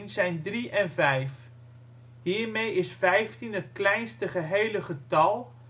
zijn drie en vijf. Hiermee is vijftien het kleinste gehele getal